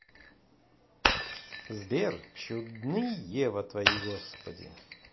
сбер чудны ева твои господи